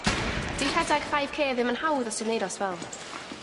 'Di rhedeg five Kay ddim yn hawdd os ti'm neud o sbel.